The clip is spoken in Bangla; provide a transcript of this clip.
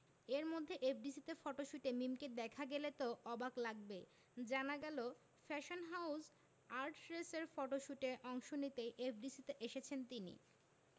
এরমধ্যে এফডিসিতে ফটোশুটে মিমকে দেখা গেল তো অবাক লাগবেই জানা গেল ফ্যাশন হাউজ আর্টরেসের ফটশুটে অংশ নিতেই এফডিসিতে এসেছেন তিনি